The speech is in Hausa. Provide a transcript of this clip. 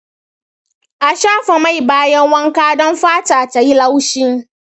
a shafa mai bayan wanka don fata ta yi laushi.